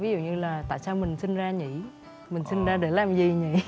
ví dụ như là tại sao mình sinh ra nhỉ mình sinh ra để làm gì nhỉ